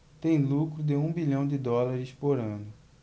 tem lucro de um bilhão de dólares por ano